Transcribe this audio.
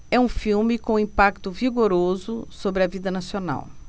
é um filme com um impacto vigoroso sobre a vida nacional